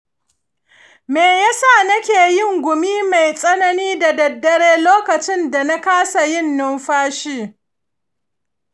me yasa nake yin gumi mai tsanani da daddare lokacin da na kasa yin numfashi?